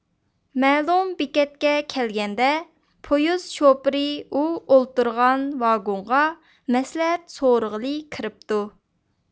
مەلۇم بېكەتكە كەلگەندە پويىز شوپۇرى ئۇ ئولتۇرغان ۋاگونغا مەسلىھەت سورىغىلى كىرىپتۇ